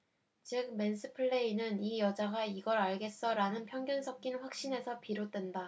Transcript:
즉 맨스플레인은 이 여자가 이걸 알겠어 라는 편견 섞인 확신에서 비롯된다